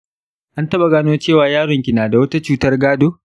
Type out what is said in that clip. an taɓa gano cewa yaron ki na da wata cutar gado?